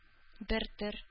Бертөр